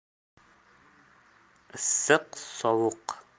issiq sovuq